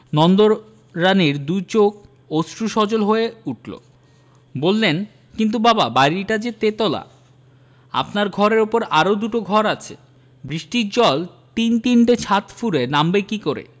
নন্দরানীর দু'চোখ অশ্রু সজল হয়ে উঠল বললেন কিন্তু বাবা বাড়িটা যে তেতলা আপনার ঘরের উপর আরও যে দুটো ঘর আছে বৃষ্টির জল তিন তিনটে ছাত ফুঁড়ে নামবে কি করে